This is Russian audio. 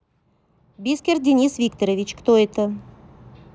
бискер денис викторович кто это